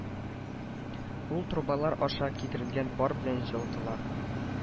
Ул трубалар аша китерелгән пар белән җылытыла